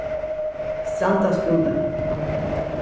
stranda skúli